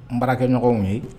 N baara kɛɲɔgɔnw ye